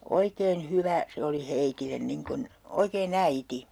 oikein hyvä se oli heille niin kuin oikein äiti